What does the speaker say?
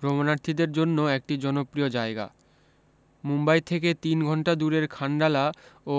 ভ্রমনার্থীদের জন্য একটি জনপ্রিয় জায়গা মুম্বাই থেকে তিন ঘণ্টা দূরের খান্ডালা ও